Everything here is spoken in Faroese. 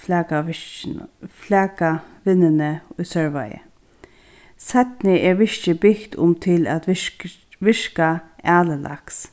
flakavinnuni í sørvági seinni er virkið bygt um til at virka alilaks